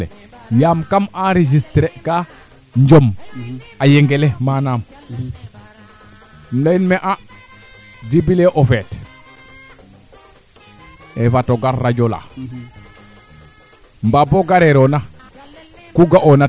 roog fee kaa reta baa simid to calel ke koɓale wala calel ke xoxox we retke sen xar refu manaam i ndeta nga boo no camano kaaga xar fa xar na refaa jafe jafe nuun to au moins